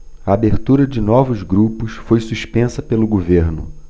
a abertura de novos grupos foi suspensa pelo governo